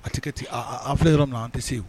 A ti kɛ ten . An fɛ yɔrɔ min na , an ti se yen.